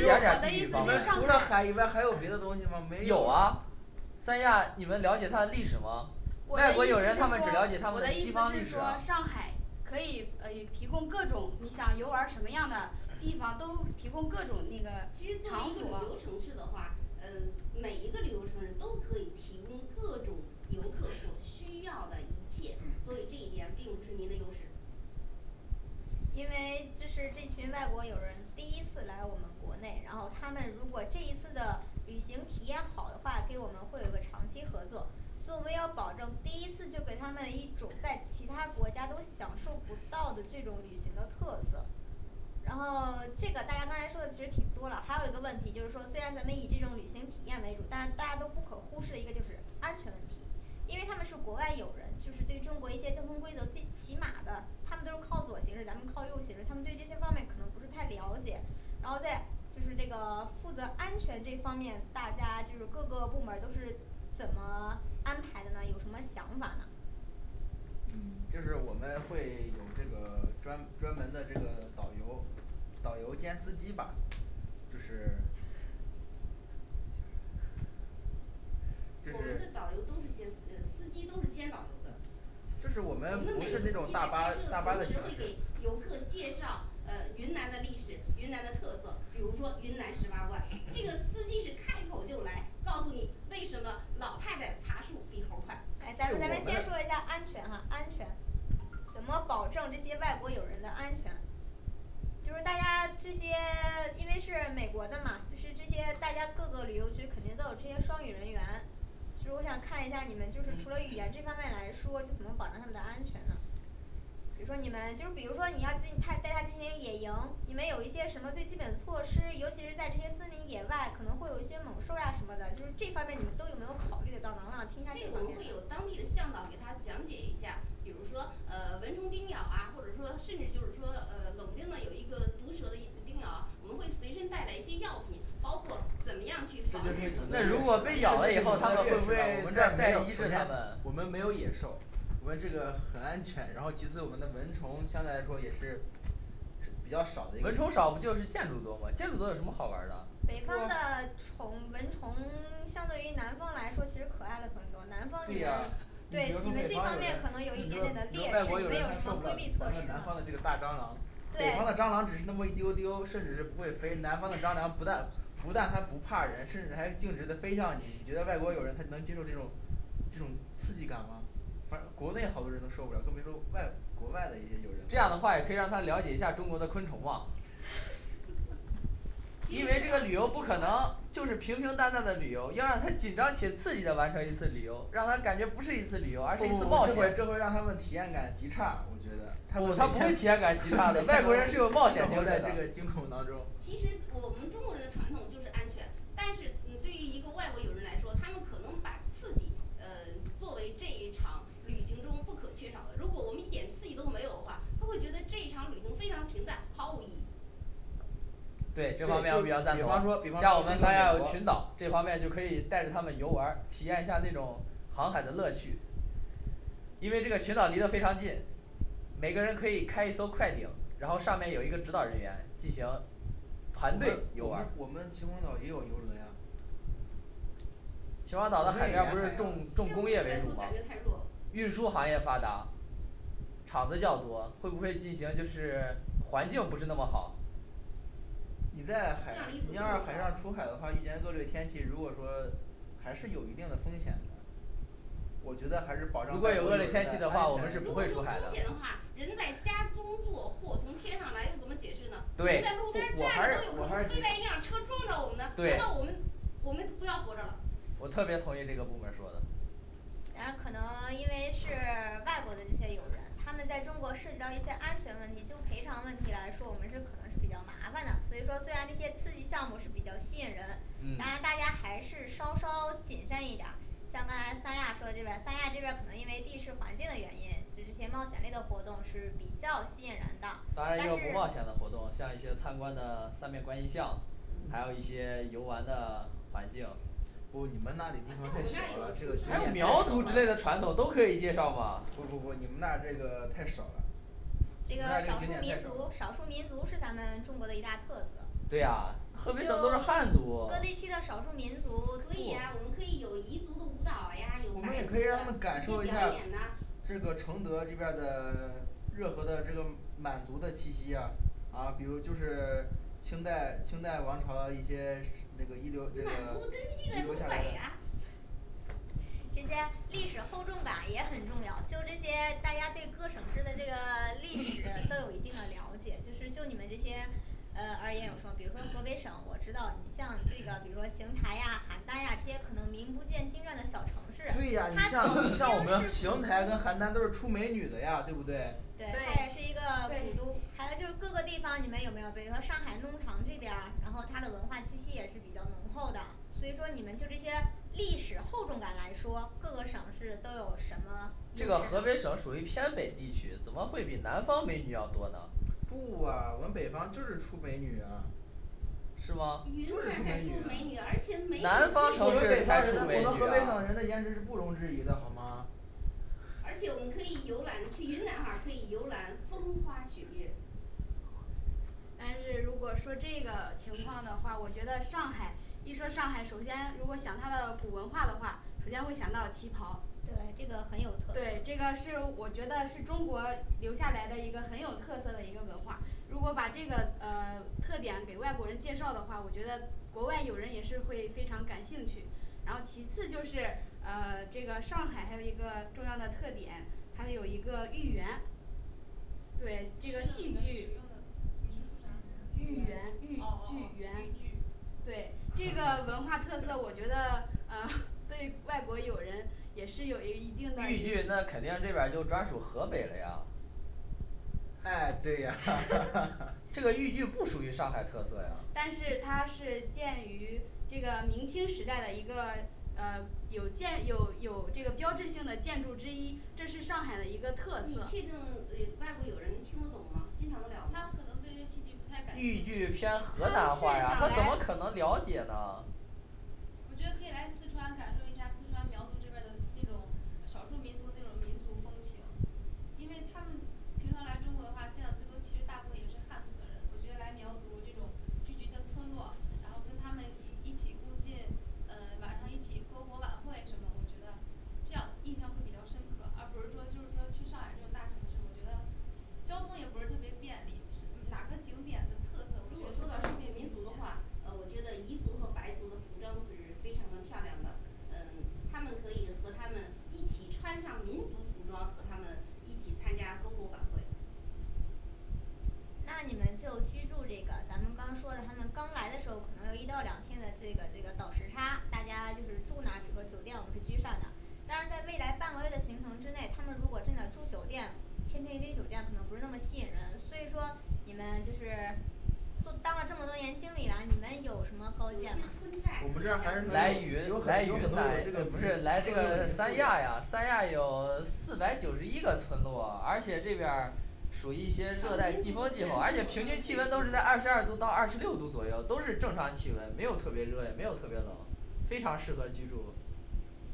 有，你们上除了海海以外还有别的东西吗没有有啊啊三亚你们了解它的历史吗我的意思是说我的意思是说上海可以嗯也提供各种你想游玩儿什么样的地方都提供各种那个场所因为这是这群外国友人第一次来我们国内然后他们如果这一次的旅行体验好的话给我们会有个长期合作所以我们要保证第一次就给他们一种在其他国家都享受不到的这种旅行的特色然后 这个大家刚才说的其实挺多啦还有一个问题就是说虽然咱们以这种旅行体验为主但是大家都不可忽视的一个就是安全问题因为他们是国外友人就是对中国一些交通规则最起码的他们都是靠左行驶咱们靠右行驶他们对这些方面可能不是太了解然后再就是这个负责安全这方面大家就是各个部门儿都是怎么安排的呢有什么想法呢嗯就是我们会有这个专专门的这个导游导游兼司机吧这是这我是们的导游都是兼司司机都是兼导游的就是我们不是那种大巴大巴的形式云南的特色比如说云南十八怪那个司机是开口就来告诉你为什么老太太爬树比猴儿快来咱们这咱们先我说一下们安全哈安全怎么保证这些外国友人的安全呢就是大家这些 因为是美国的嘛就是这些大家各个旅游区肯定都有这些双语人员其实我想看一下你们就是除了语言这方面来说是怎么保障他们的安全呢比如说你们就是比如说你要进去他带他进行野营，你们有一些什么最基本的措施尤其是在这些森林野外可能会有一些猛兽呀什么的，就是这方面你们都有没有考虑到，能不能让我听下这这我方面们会有当地的向导给他讲解一下比如说呃蚊虫叮咬啊或者说甚至就是说呃冷不丁的有一个毒蛇的叮咬我们会随身带着一些药品包括怎么样去这就是你们的劣势了我们这儿没有首防止先我们没有野兽我们这个很安全然后其次我们的蚊虫相对来说也是是比较少的蚊虫少不就是建筑多吗建筑多有什么好玩儿的北不方的啊虫蚊虫相对于南方来说其实可爱了很多南方对啊你比如说北方友人你说你说外国友人他受不了咱们南方的这个大蟑螂北方的蟑对螂只是那么一丢丢甚至是不会飞南方的蟑螂不但不但它不怕人甚至还径直地飞向你你觉得外国友人他能接受这种这种刺激感吗反 国内好多人都受不了更别说外国外的一些友人这样了的话也可以让他了解一下中国的昆虫嘛 因为这个旅游不可能就是平平淡淡的旅游要让他紧张且刺激的完成一次旅游让他感觉不是一次旅不不游而是一次冒不险，不他这不会会这会让他们体体验验感感极极差我觉得，他们每天 生差的外国人是有冒险精活神在的这个惊恐当中其实我们中国人的传统就是安全但是你对于一个外国友人来说他们可能把刺激呃作为这一场旅行中不可缺少的如果我们一点刺激都没有的话他会觉得这场旅行非常平淡毫无意义对对这就比方方面说我比比较方说赞同就像像我们三亚有群岛美国这方面就可以带着他们游玩儿体验一下那种航海的乐趣因为这个群岛离得非常近每个人可以开一艘快艇然后上面有一个指导人员进行我们我们团队游玩儿我们秦皇岛也有游轮呀我们也沿秦皇岛的海海边儿不是相对重重呀工业为来主说吗感觉太弱，运输行业发达厂子较多会不会进行就是环境不是那么好你在海你要是海上出海的话遇见恶劣天气如果说还是有一定的风险的我觉得还是保如障果外有国友恶人的劣安天气全的话我如果说风险的话们是不会出海的人在家中坐祸从天上来又怎么解释呢你在路边儿站着都对我还是我有可还是能觉飞得来一辆车撞着我们难道我们对我们不要活着了我特别同意这个部门儿说的然后可能因为是外国的一些友人他们在中国涉及到一些安全问题就赔偿问题来说我们是可能是比较麻烦的，所以说虽然这些刺激项目是比较吸引人但是大家嗯还是稍稍谨慎一点儿像刚才三亚说的这边儿三亚这边儿可能因为地势环境的原因就这些冒险类的活动是比较吸引人的当然但也是有不冒险的活动像一些参观的三面观音像还有一些游玩的环境不你们那里像我们地方太小了这这个，儿有还有苗族之类的传统都可以介绍嘛不不不你们那这个太少了你这个们那儿这个少数景民点族太少少数民族是咱们中国的一大特色对呀河北省都是汉族各地区的少数民族所以呀我们不可以有彝族的舞蹈呀，有我们白也族可以让他们感受的一一些表下演呐这个承德这边儿的 任何的这个满族的气息呀啊比如就是清代清代王朝的一些那个遗留那个遗留下来的这些历史厚重感也很重要就这些大家对各省市的这个 历史都有一定的了解就是就你们这些呃而也有说比如说河北省我知道你像这个比如说邢台呀邯郸呀这些可能名不见经传的小城市对呀你它像从你像我们邢台跟邯郸都是出美女的呀对不对对它也是一个对古对都还有就各个地方你们有没有比如说上海弄堂这边儿然后它的文化气息也是比较浓厚的所以说你们就这些历史厚重感来说各个省市都有什么这个河北省属于偏北地区怎么会比南方美女要多呢不啊我们北方就是出美女啊是吗云南才就是出出美美女女，我们呢而且北没方南人方有我城市才出美女们河北啊省人的颜值是不容置疑的好吗而且我们可以游览去云南话可以游览风花雪月但是如果说这个情况的话我觉得上海一说上海首先如果想它的古文化的话首先会想到旗袍对这个很有特对这个色是我觉得是中国留下来的一个很有特色的一个文化如果把这个呃特点给外国人介绍的话我觉得国外友人也是会非常感兴趣然后其次就是呃这个上海还有一个重要的特点它有一个豫园对这个戏剧说啥豫哦园豫哦剧哦园豫剧对这个文化特色我觉 得嗯 对外国友人也是有一豫一定的剧那肯定这边儿就专属河北了呀哎对呀 这 个豫剧不属于上海特色呀但是它是建于这个明清时代的一个嗯有建有有这个标志性的建筑之一这是上海的一个特你色确定这外国友人听得懂吗欣赏得了他吗可能对于戏剧不太感豫兴剧趣偏河南话啊他怎么可能了解呢我觉得可以来四川感受一下四川苗族这边儿的那种少数民族那种民族风情因为他们平常来中国的话见的最多其实大部分也是汉族的人我觉得来苗族这种聚集的村落然后跟他们一一起共进呃晚上一起篝火晚会什么我觉得这样印象会比较深刻而不是说就是说去上海就是大城市我觉得如果说到少数民族的话呃我觉得彝族和白族的服装是非常的漂亮的呃他们可以和他们一起穿上民族服装和他们一起参加篝火晚会那你们就居住这个咱们刚说了他们刚来的时候儿可能有一到两天的这个这个倒时差大家就是住哪儿比如说酒店我们是居上的但是在未来半个月的行程之内他们如果真的住酒店其实那些酒店可能不那么吸引人所以说你们就是，都当了这么多年经理了你们有什么高有一些见吗村我们这儿寨还是来很有，云有来很有云很多有南这个不民就特是色来的这民个三亚呀宿三的亚有四百九十一个村落而且这边儿属于一些热带季风气候而且平均气温都是在二十二度到二十六度左右都是正常气温没有特别热也没有特别冷非常适合居住